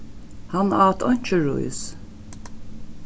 hann át einki rís